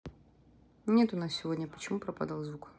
нет у нас сегодня почему пропадал звук